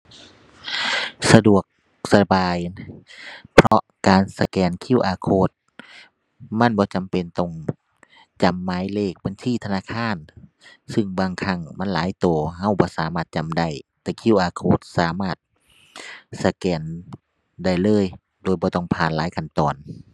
สะดวกสบาย เพราะการสแกน QR code มันบ่จำเป็นต้องจำหมายเลขบัญชีธนาคาร ซึ่งบางครั้งมันหลายตัว ตัวบ่สามารถจำได้ แต่ QR code สามารถสแกนได้เลยโดยบ่ต้องผ่านหลายขั้นตอน